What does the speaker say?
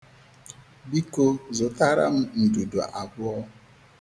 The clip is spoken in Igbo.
Biko zutara m ndudu abuo.